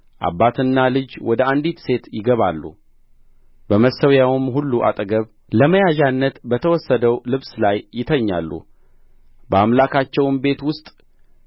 አባትና ልጁ ወደ አንዲት ሴት ይገባሉ መሠዊያውም ሁሉ አጠገብ ለመያዣነት በተወሰደው ልብስ ላይ ይተኛሉ በአምላካቸውም ቤት ውስጥ